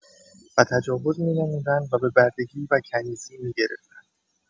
و تجاوز می‌نمودند و به بردگی وکنیزی، می‌گرفتند.